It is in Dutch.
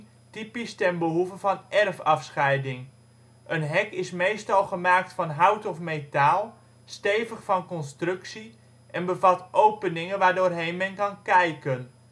ten behoeve van erfafscheiding. Een hek is meestal gemaakt van hout of metaal, stevig van constructie en bevat openingen waardoorheen men kan kijken